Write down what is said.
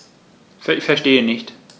Verstehe nicht.